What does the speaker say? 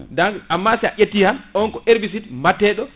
donc amma si a ƴetti han on ko herbicide batteɗo